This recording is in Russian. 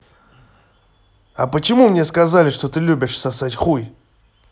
а почему мне сказали что ты любишь сосать хуй